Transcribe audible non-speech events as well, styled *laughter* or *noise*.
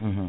*hesitation* *hesitation*